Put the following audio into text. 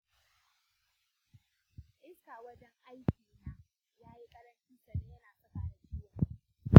iska wajen aiki na yayi ƙaranci sannan yana saka ni ciwon kai.